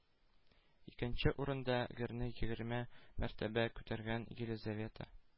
Икенче урында – герне егерме мәртәбә күтәргән Елизавета